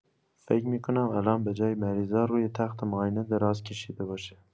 فکر می‌کنم الان به‌جای مریضا روی تخت معاینه دراز کشیده باشه.